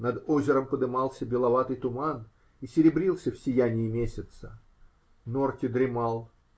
Над озером подымался беловатый туман и серебрился в сиянии месяца. Норти дремал.